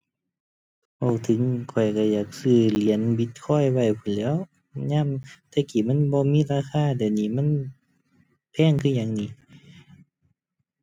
เว้าถึงข้อยก็อยากซื้อเหรียญบิตคอยน์ไว้พู้นแหล้ว ยามแต่กี้มันบ่มีราคา เดี๋ยวนี้มันแพงคือหยังหนิ